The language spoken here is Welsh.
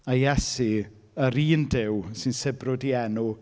A Iesu, yr un Duw sy'n sibrwd ei enw.